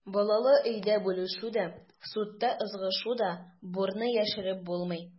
Балалы өйдә бүлешү дә, судта ызгышу да, бурны яшереп булмый.